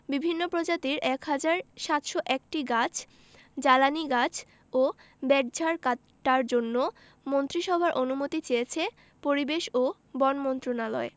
বিভিন্ন প্রজাতির ১ হাজার ৭০১টি গাছ জ্বালানি গাছ ও বেতঝাড় কাটার জন্য মন্ত্রিসভার অনুমতি চেয়েছে পরিবেশ ও বন মন্ত্রণালয়